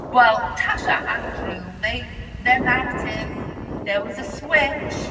Wel Tash a Andrew, they... their narrative there was a switch.